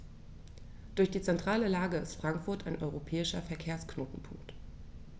Durch die zentrale Lage ist Frankfurt ein europäischer Verkehrsknotenpunkt.